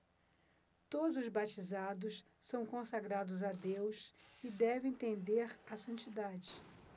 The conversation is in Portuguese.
todos os batizados são consagrados a deus e devem tender à santidade